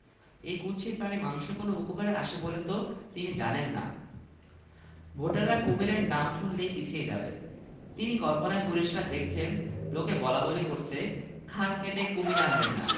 এই কুৎসিত প্রাণী মানুষের কোন উপকারে আসে বলে তো তিনি জানেন না ভোটাররা কুমীরের নাম শুনলেই পিছিয়ে যাবে তিনি কল্পনায় পরিষ্কার দেখছেন লোকে বলাবলি করছে খাল কেটে কুমীর আনবেন না